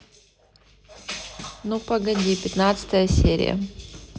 ну погоди пятнадцатая серия